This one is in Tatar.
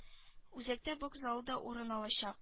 Үзәктә бокс залы да урын алачак